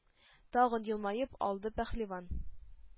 Тагын елмаеп алды пәһлеван.